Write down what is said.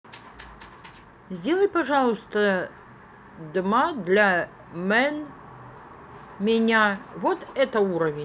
сделай пожалуйста дма для меня вот этот уровень